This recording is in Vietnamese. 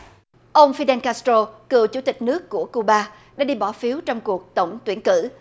ông phi đen cát trô cựu chủ tịch nước của cụ bà đã đi bỏ phiếu trong cuộc tổng tuyển cử